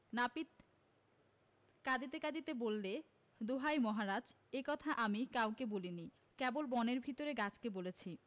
নাপিত কঁদিতে কঁদিতে বললে দোহাই মহারাজ এ কথা আমি কাউকে বলিনি কেবল বনের ভিতর গাছকে বলেছি